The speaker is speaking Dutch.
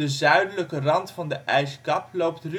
zuidelijke rand van de ijskap loopt